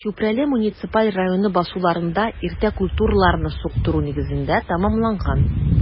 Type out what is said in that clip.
Чүпрәле муниципаль районы басуларында иртә культураларны суктыру нигездә тәмамланган.